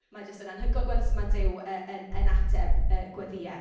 Mae jyst yn anhygoel gweld sut mae Duw yy yn yn ateb yy gweddïau.